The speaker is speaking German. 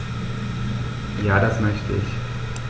Ja, das möchte ich.